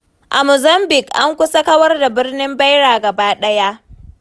A Mozambique, an kusa kawar da birnin Beira gaba ɗaya.